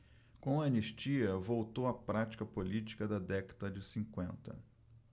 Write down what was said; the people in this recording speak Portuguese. com a anistia voltou a prática política da década de cinquenta